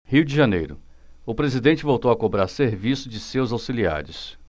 rio de janeiro o presidente voltou a cobrar serviço de seus auxiliares